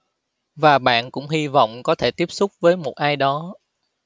và bạn cũng hi vọng có thể tiếp xúc với một ai đó